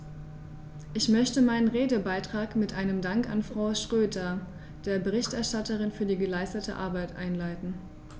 Ich möchte meinen Redebeitrag mit einem Dank an Frau Schroedter, der Berichterstatterin, für die geleistete Arbeit einleiten.